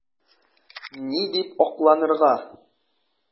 Ни дип акланырга?